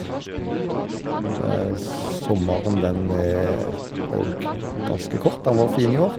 og det Sommeren den er òg ganske kort, den var fin i år.